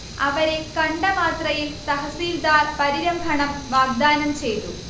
അവരെ കണ്ട മാത്രയിൽ തഹസീൽദാർ പരിരംഭണം വാഗ്ദാനം ചെയ്തു